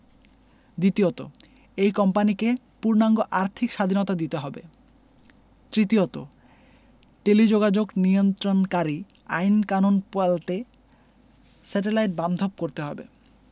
দ্বিতীয়ত এই কোম্পানিকে পূর্ণাঙ্গ আর্থিক স্বাধীনতা দিতে হবে তৃতীয়ত টেলিযোগাযোগ নিয়ন্ত্রণকারী আইনকানুন পাল্টে স্যাটেলাইট বান্ধব করতে হবে